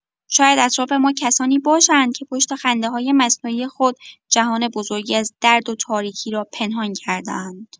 شاید اطراف ما کسانی باشند که پشت خنده‌های مصنوعی خود جهان بزرگی از درد و تاریکی را پنهان کرده‌اند.